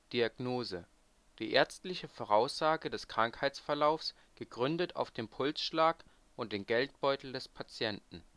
Diagnose: Die ärztliche Voraussage des Krankheitsverlaufs, gegründet auf den Pulsschlag und den Geldbeutel des Patienten